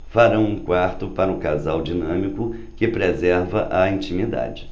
farão um quarto para um casal dinâmico que preserva a intimidade